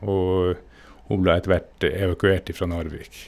Og hun ble etterhvert evakuert ifra Narvik.